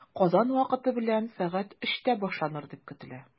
Казан вакыты белән сәгать өчтә башланыр дип көтелә.